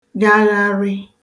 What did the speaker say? gagharị